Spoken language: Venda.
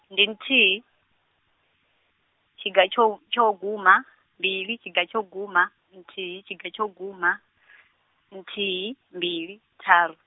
ndi nthihi, tshiga tsho u, tsho u guma mbili tshiga tsho u guma nthihi tshiga tshou guma, nthihi mbili ṱharu.